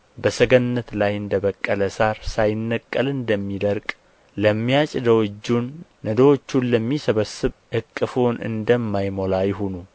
በሰገነት ላይ እንደ በቀለ ሣር ሳይነቀል እንደሚደርቅ ለሚያጭደው እጁን ነዶዎቹን ለሚሰበስብ እቅፉን እንደማይሞላ ይሁኑ